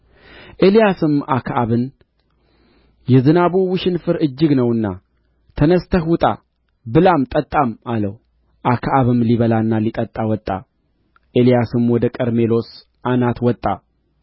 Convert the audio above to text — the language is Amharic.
ኤልያስም አክዓብን የዝናቡ ውሽንፍር እጅግ ነውና ተነሥተህ ውጣ ብላም ጠጣም አለው አክዓብም ሊበላና ሊጠጣ ወጣ ኤልያስም ወደ ቀርሜሎስ አናት ወጣ